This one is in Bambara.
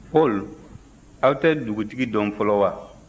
paul aw tɛ dugutigi dɔn fɔlɔ wa